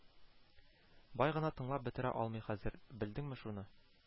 Бай гына тыңлап бетерә алмый хәзер, белдеңме шуны